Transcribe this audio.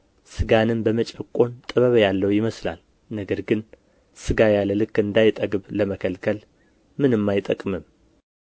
ሥጋንም በመጨቆን ጥበብ ያለው ይመስላል ነገር ግን ሥጋ ያለ ልክ እንዳይጠግብ ለመከልከል ምንም አይጠቅምም